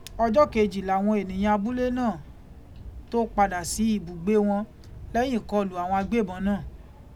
Ọjọ́ kejì làwọn ènìyàn abúlé náà tó padà sí ibùgbé wọn lẹ́yìn ìkọlù àwọn agbébọn náà.